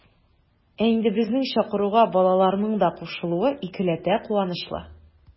Ә инде безнең чакыруга балаларның да кушылуы икеләтә куанычлы.